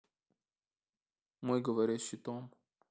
мой говорящий том